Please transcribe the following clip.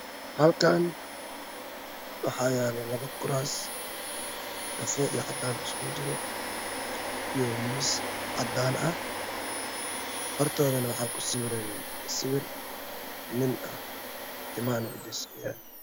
Halkaan waxaa yaalo laba kuraas kafee iyo cadan isku jiro iyo miis cadaan ah hortoodana wxaa ku sawiran sawir nin ah timahana u deysanyihin